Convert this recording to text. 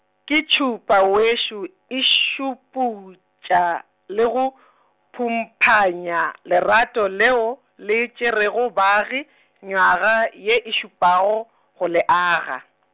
ke tšhupa wešo e šuputša le go, phumphanya lerato leo, le tšerego baagi, nywaga ye e šupago go le aga.